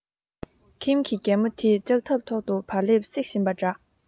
ཁྱིམ གྱི རྒན མོ དེས ལྕགས ཐབ ཐོག ཏུ བག ལེབ སྲེག བཞིན པ འདྲ